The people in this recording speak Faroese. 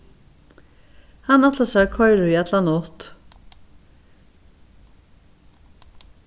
hann ætlar sær at koyra í alla nátt